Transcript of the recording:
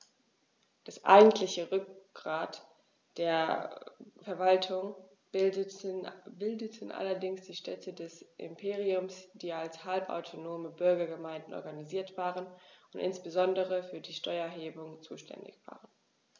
Das eigentliche Rückgrat der Verwaltung bildeten allerdings die Städte des Imperiums, die als halbautonome Bürgergemeinden organisiert waren und insbesondere für die Steuererhebung zuständig waren.